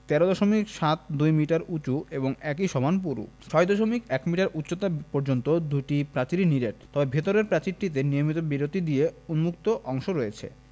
১৩ দশমিক সাত দুই মিটার উঁচু ও একই সমান পুরু ৬দশমিক ১ মিটার উচ্চতা পর্যন্ত দুটি প্রাচীরই নিরেট তবে ভেতরের প্রাচীরটিতে নিয়মিত বিরতি দিয়ে উন্মুক্ত অংশ রয়েছে